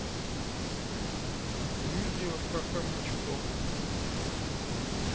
видео про хомячков